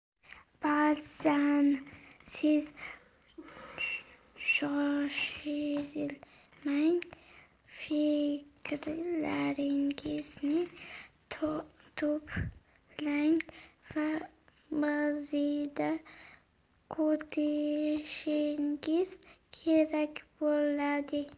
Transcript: ba'zan siz shoshilmang fikrlaringizni to'plang va ba'zida kutishingiz kerak bo'ladi